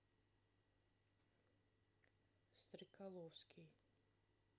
стреколовский